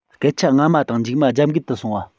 སྐད ཆ སྔ མ དང མཇུག མ རྒྱབ འགལ དུ སོང བ